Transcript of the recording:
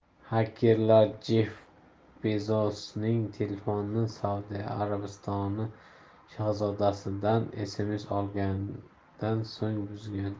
xakerlar jeff bezosning telefonini saudiya arabistoni shahzodasidan sms olganidan so'ng buzgan